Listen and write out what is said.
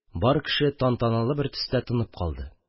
Бар кеше тантаналы бер төстә тынып калды